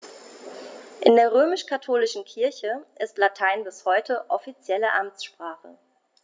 In der römisch-katholischen Kirche ist Latein bis heute offizielle Amtssprache.